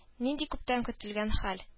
Нинди күптән көтелгән хәл